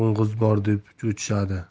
bor to'ng'iz bor deb cho'chishadi